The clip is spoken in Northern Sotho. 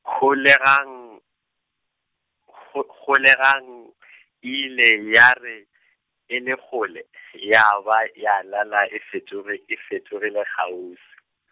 holegang, ho-, holegang , e ile ya re , e le kgole , ya ba, ya lala e fetogi-, e fetogile kgauswi.